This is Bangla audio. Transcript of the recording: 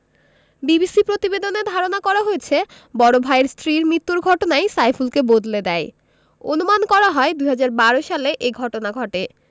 বিবিসির প্রতিবেদনে ধারণা করা হয়েছে বড় ভাইয়ের স্ত্রীর মৃত্যুর ঘটনাই সাইফুলকে বদলে দেয় অনুমান করা হয় ২০১২ সালে এ ঘটনা ঘটে